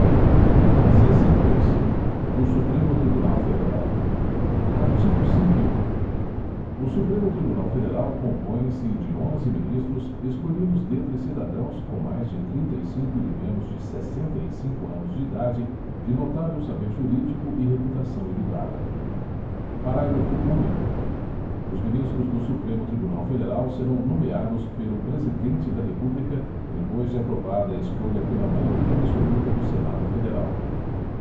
seção dois do supremo tribunal federal artigo cento e um o supremo tribunal federal compõe se de onze ministros escolhidos dentre cidadãos com mais de trinta e cinco e menos de sessenta e cinco anos de idade de notável saber jurídico e reputação ilibada parágrafo único os ministros do supremo tribunal federal serão nomeados pelo presidente da república depois de aprovada a escolha pela maioria absoluta do senado federal